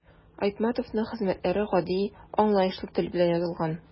Айтматовның хезмәтләре гади, аңлаешлы тел белән язылган.